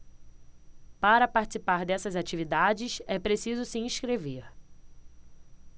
para participar dessas atividades é preciso se inscrever